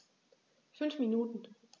5 Minuten